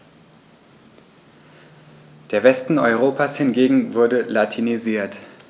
Der Westen Europas hingegen wurde latinisiert.